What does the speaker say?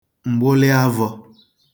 m̀gbụlị avọ̄